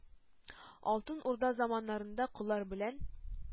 Алтын Урда заманнарында коллар белән